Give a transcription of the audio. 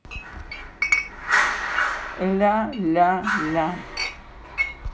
ля ля ля